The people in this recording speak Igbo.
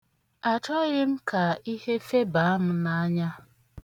Achọghị m ka ihe febaa m n'anya.